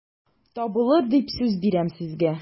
Табылыр дип сүз бирәм сезгә...